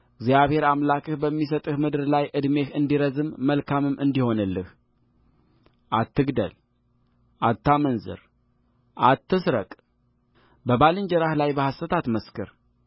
እግዚአብሔር አምላክህ በሚሰጥህ ምድር ላይ ዕድሜህ እንዲረዝም መልካምም እንዲሆንልህአትግደልአታመንዝርአትስረቅበባልንጀራህ ላይ በሐሰት አትመስክር